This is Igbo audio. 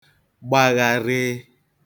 gba gharịị